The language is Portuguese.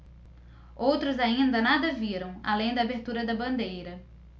outros ainda nada viram além da abertura da bandeira